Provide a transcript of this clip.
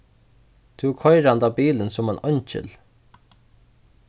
tú koyrir handa bilin sum ein eingil